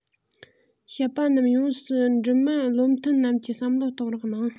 བཤད པ རྣམས ཡོངས སུ འགྲིག མིན བློ མཐུན རྣམས ཀྱིས བསམ བློ གཏོང རོགས གནང